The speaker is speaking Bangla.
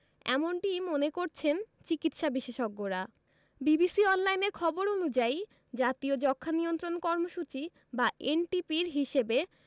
এমনটিই মনে করছেন চিকিৎসাবিশেষজ্ঞরা বিবিসি অনলাইনের খবর অনুযায়ী জাতীয় যক্ষ্মা নিয়ন্ত্রণ কর্মসূচি বা এনটিপির হিসেবে